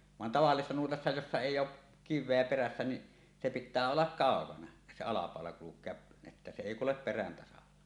vaan tavallisessa nuotassa jossa ei ole kiveä perässä niin se pitää olla kaukana se alapaula kulkea että se ei kulje perän tasalla